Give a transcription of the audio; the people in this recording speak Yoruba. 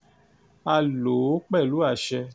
A lò ó pẹ̀lú àṣẹ.